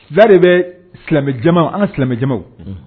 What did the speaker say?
Da de bɛ silamɛja an ka silamɛjaw